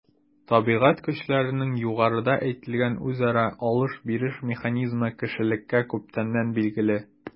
Табигать көчләренең югарыда әйтелгән үзара “алыш-биреш” механизмы кешелеккә күптәннән билгеле.